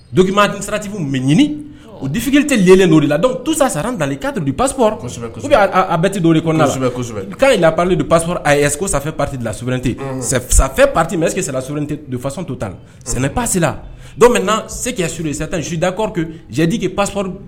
Dokima di sarati mɛ ɲini o difi tɛ lelen don la tu sa sara da k'a don paspsɛbɛ a bɛ tɛ don de ko nasobɛsɛbɛ k'a la ko sanfɛfɛ pati la surte safɛ pate mɛtefasɔn to tan sɛnɛ pasila dɔ na se suur i sa tan su dakɔrɔ jadike pasp